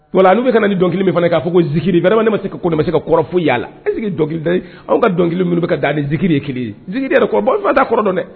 Wa n'u bɛ kana nin dɔnkili kelen min fana k'a fɔ ko zisiri wɛrɛ ne ma se ka kɔmamasa se ka kɔrɔ fo yalala e sigi dɔnkili da aw ka dɔnkili kelen minnu bɛ ka da niiiri ye kelen ye yɛrɛ kɔfada kɔrɔ dɔn dɛ